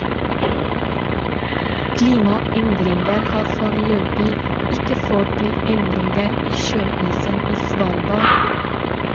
Klimaendringer har foreløpig ikke ført til endringer i sjøisen i Svalbard.